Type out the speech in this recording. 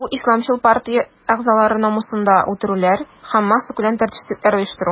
Бу исламчыл партия әгъзалары намусында үтерүләр һәм массакүләм тәртипсезлекләр оештыру.